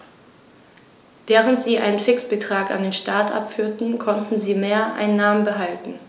Während sie einen Fixbetrag an den Staat abführten, konnten sie Mehreinnahmen behalten.